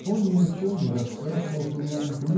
он ни о чем не расспрашивал племянника